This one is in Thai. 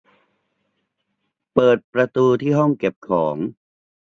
เปิดประตูที่ห้องเก็บของ